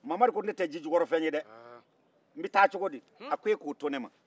mamari ko ne tɛ sijukɔrɔfɛn ye de n bɛ taa cogdi a ko e ko to ne ma